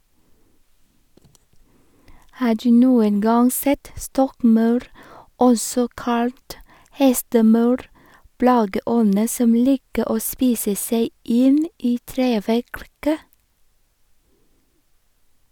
Har du noen gang sett stokkmaur, også kalt hestemaur, plageånden som liker å spise seg inn i treverket?